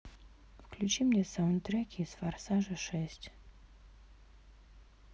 включи мне саундтреки из форсажа шесть